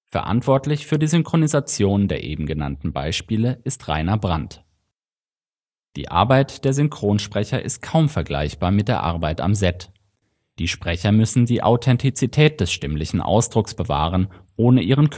Verantwortlich für die Synchronisation der eben genannten Beispiele ist Rainer Brandt. Die Arbeit der Synchronsprecher ist kaum vergleichbar mit der Arbeit am Set. Die Sprecher müssen die Authentizität des stimmlichen Ausdrucks bewahren, ohne ihren